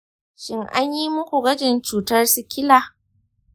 shin an yi muku gwajin cutar sikila?